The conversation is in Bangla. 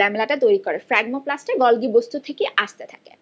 লামেলাটা তৈরি করে ফ্রাগমোপ্লাস্ট টা গলগী বস্তু থেকে আসতে থাকে